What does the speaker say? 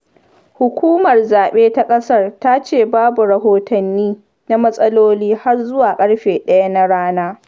Hukumar zaɓe ta ƙasar ta ce babu rahotanni na matsaloli har zuwa ƙarfe 1 na rana.